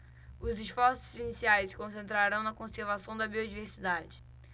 os esforços iniciais se concentrarão na conservação da biodiversidade